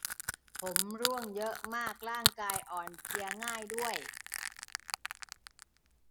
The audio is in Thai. ผมร่วงเยอะมากร่างกายอ่อนเพลียง่ายด้วย